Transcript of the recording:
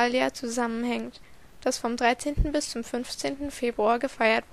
zusammenhängt, das vom 13. bis zum 15. Februar gefeiert wurde